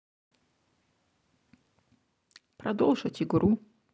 продолжить игру